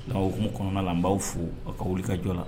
Na o hokumu kɔnɔna la n b'aw fo aw ka wulikajɔ la